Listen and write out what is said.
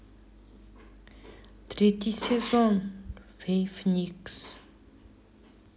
третий сезон феи винкс